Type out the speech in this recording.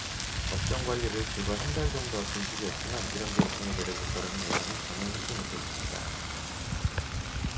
법정관리를 불과 한 달 정도 앞둔 시기였지만 이런 결정이 내려질 거라는 예상은 전혀 하지 못했습니다